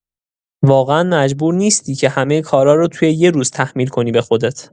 واقعا مجبور نیستی که همه کارا رو تو یه روز تحمیل کنی به خودت.